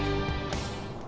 đó